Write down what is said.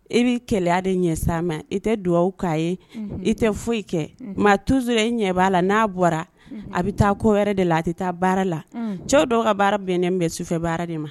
I bɛ kɛlɛya de ɲɛ san ma i tɛ dugawuwa k'a ye i tɛ foyi kɛ maa tuz i ɲɛ la n'a bɔra a bɛ taa ko wɛrɛ de la a tɛ taa baara la cɛw dɔw ka baara bɛn ne sufɛ baara de ma